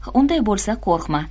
unday bo'lsa qo'rqma